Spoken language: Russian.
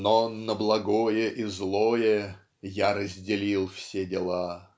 Но на благое и злое Я разделил все дела.